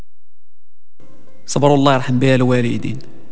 صفر الله يرحم الوالدين